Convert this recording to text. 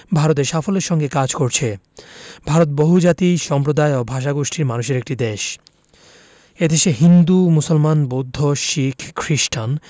ভারতে সাফল্যের সঙ্গে কাজ করছে ভারত বহুজাতি সম্প্রদায় ও ভাষাগোষ্ঠীর মানুষের একটি দেশ এ দেশে হিন্দু মুসলমান বৌদ্ধ শিখ খ্রিস্টান